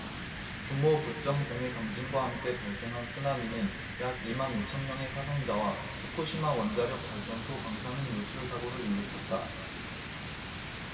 규모 구 쩜 공 의 강진과 함께 발생한 쓰나미는 약 이 만 오천 명의 사상자와 후쿠시마 원자력발전소 방사능 누출 사고를 일으켰다